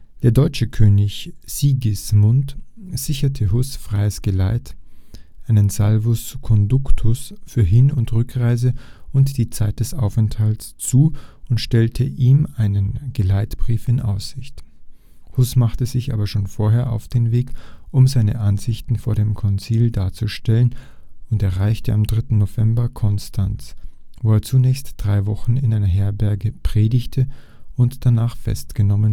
Der deutsche König Sigismund sicherte Hus freies Geleit (einen salvus conductus für Hin - und Rückreise und die Zeit des Aufenthalts) zu und stellte ihm einen Geleitbrief in Aussicht. Hus machte sich aber schon vorher auf den Weg, um seine Ansichten vor dem Konzil darzustellen, und erreichte am 3. November Konstanz, wo er zunächst drei Wochen in einer Herberge predigte und danach festgenommen